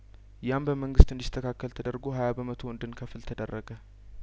ያም በመንግስት እንዲስተካከል ተደርጐ ሀያ በመቶ እንድን ከፍል ተደረገ